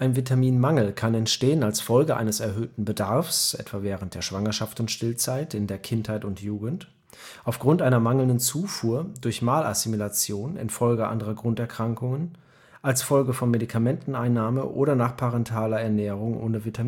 Vitaminmangel kann entstehen als Folge eines erhöhten Bedarfs (während Schwangerschaft und Stillzeit, in der Kindheit und Jugend), aufgrund einer mangelnden Zufuhr, durch Malassimilation infolge anderer Grunderkrankungen, als Folge von Medikamenteneinnahme (orale Kontrazeptiva) oder nach parenteraler Ernährung ohne Vitaminzugabe